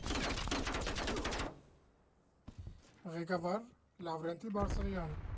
Ղեկավար՝ Լավրենտի Բարսեղյան։